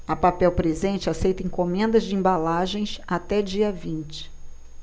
a papel presente aceita encomendas de embalagens até dia vinte